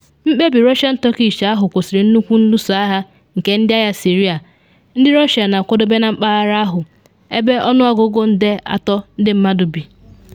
Mkpebi Russian-Turkish ahụ kwụsịrị nnukwu nluso agha nke ndị agha Syria ndị Russia na akwadobe na mpaghara ahụ, ebe ọnụọgụ nde 3 ndị mmadu bi.